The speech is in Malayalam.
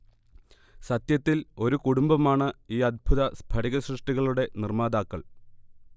സത്യത്തിൽ ഒരു കുടുംബമാണ് ഈ അദ്ഭുത സ്ഥടികസൃഷ്ടികളുടെ നിർമാതാക്കൾ